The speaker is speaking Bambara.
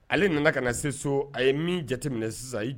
Ale nana ka na se soo a ye min jateminɛ sisan a yi